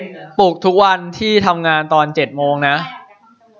ปลุกทุกวันที่ทำงานตอนเจ็ดโมงนะ